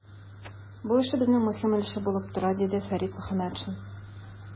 Бу эшебезнең мөһим өлеше булып тора, - диде Фәрит Мөхәммәтшин.